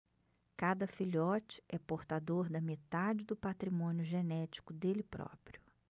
cada filhote é portador da metade do patrimônio genético dele próprio